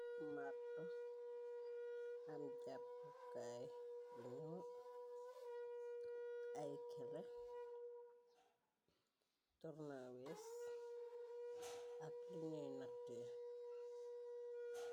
Akmarto am jàpbukaay bunu ay kele turnawes ak linuy nattée.